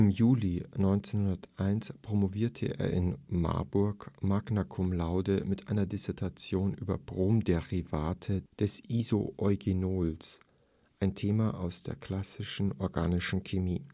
Juli 1901 promovierte er in Marburg magna cum laude mit einer Dissertation über „ Bromderivate des Isoeugenols “, ein Thema aus der klassischen organischen Chemie